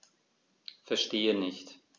Verstehe nicht.